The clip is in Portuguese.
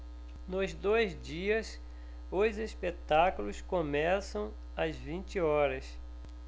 nos dois dias os espetáculos começam às vinte horas